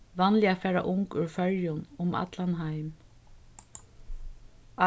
vanliga fara ung úr føroyum um allan heim